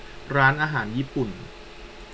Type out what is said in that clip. ร้านอาหารญี่ปุ่น